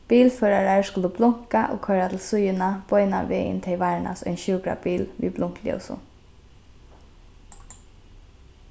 bilførarar skulu blunka og koyra til síðuna beinan vegin tey varnast ein sjúkrabil við blunkljósum